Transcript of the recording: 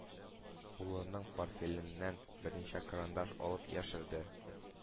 Улының портфеленнән берничә карандаш алып яшерде.